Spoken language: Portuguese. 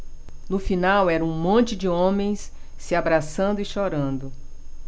no final era um monte de homens se abraçando e chorando